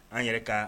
An yɛrɛ ka